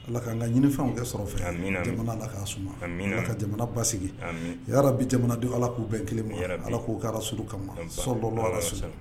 Ala k'an ka ɲiniw kɛ sɔrɔ fɛ jamana la k' ka jamana basigi ha bi jamana don ala k'u bɛn kelen min ala k'u ala s kama so dɔ ala